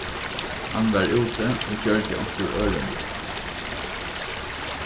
hann var úti og gjørdi onkur ørindi